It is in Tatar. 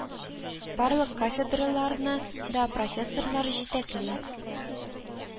Барлык кафедраларны да профессорлар җитәкли